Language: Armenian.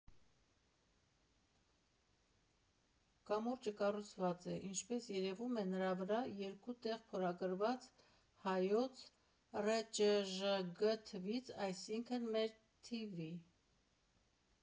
Կամուրջը կառուցված է ինչպես երևում է նրա վրա երկու տեղ փորագրված հայոց ՌՃԺԳ թվից, այսինքն մեր թվ.